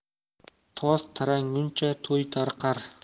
toz taranguncha to'y tarqar